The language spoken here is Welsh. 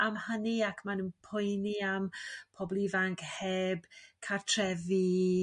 am hynny ac mae n'w'n poeni am pobl ifanc heb cartrefi